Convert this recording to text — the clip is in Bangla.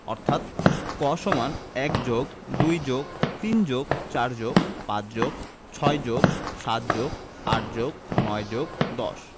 অর্থাৎ ক সমান ১যোগ২যোগ৩যোগ৪যোগ৫যোগ৬যোগ৭যোগ৮যোগ৯যোগ১০